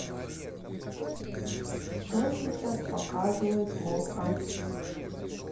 что сейчас показывают в окко